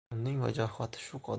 uning vajohati shu